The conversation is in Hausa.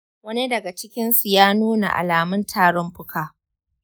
wani daga cikinsu ya nuna alamun tarin fuka?